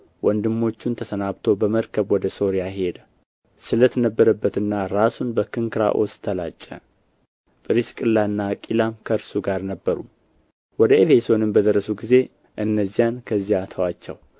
ወንድሞቹንም ተሰናብቶ በመርከብ ወደ ሶርያ ሄደ ስለትም ነበረበትና ራሱን በክንክራኦስ ተላጨ ጵርስቅላና አቂላም ከእርሱ ጋር ነበሩ ወደ ኤፌሶንም በደረሱ ጊዜ እነዚያን ከዚያ ተዋቸው